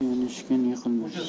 suyanishgan yiqilmas